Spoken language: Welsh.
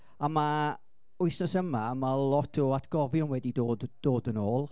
A ma' wythnos yma, ma' lot o atgofion wedi dod, dod yn ôl.